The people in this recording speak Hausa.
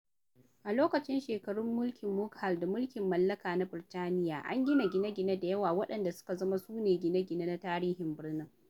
A lokacin shekarun mulkin Mughal da mulkin mallaka na Birtaniya, an gina gine-gine da yawa waɗanda suka zama su ne gine-gine na tarihin birnin.